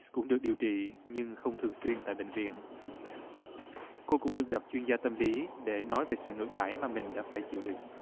cũng được điều trị nhưng không thường xuyên tại bệnh viện cô cũng được gặp chuyên gia tâm lý để nói về sự ngược đãi mà mình đã phải chịu đựng